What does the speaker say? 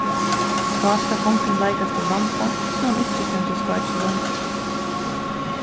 tá skal kongurin leikast úr vanda so hann ikki stendur í skáki longur